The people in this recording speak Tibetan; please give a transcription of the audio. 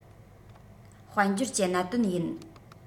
དཔལ འབྱོར གྱི གནད དོན ཡིན